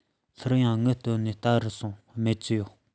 སླར ཡང ཀྱི དངུལ བཏོན ནས ལ བལྟ རུ སོང སྨད ཀྱི ཡོད